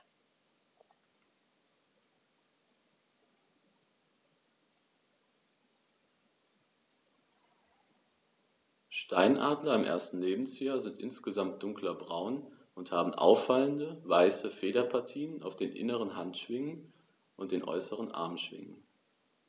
Steinadler im ersten Lebensjahr sind insgesamt dunkler braun und haben auffallende, weiße Federpartien auf den inneren Handschwingen und den äußeren Armschwingen.